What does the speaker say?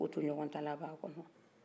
ko to ɲɔgɔn tala b'a kɔnɔ